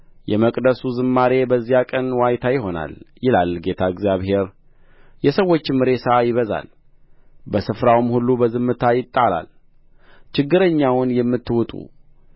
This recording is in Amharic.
የመቅደሱ ዝማሬ በዚያ ቀን ዋይታ ይሆናል ይላል ጌታ እግዚአብሔር የሰዎችም ሬሳ ይበዛል በስፍራውም ሁሉ በዝምታ ይጣላል ችጋረኛውን የምትውጡ